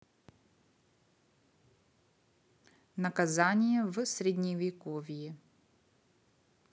наказание в средневековье